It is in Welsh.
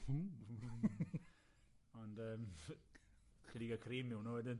Hmm. Ond yym, chydig y cream yw wnnw wedyn.